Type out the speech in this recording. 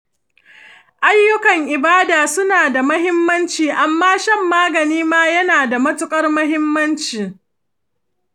ayyukan ibada suna da muhimmanci, amma shan magani ma yana da matuƙar muhimmanci.